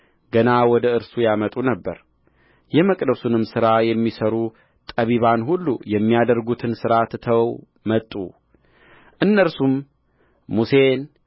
ገና ወደ እርሱ ያመጡ ነበር የመቅደሱንም ሥራ የሚሠሩ ጠቢባን ሁሉ የሚያደርጉትን ሥራ ትተው መጡ እነርሱም ሙሴን